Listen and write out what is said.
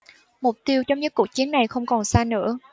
mục tiêu chấm dứt cuộc chiến này không còn xa nữa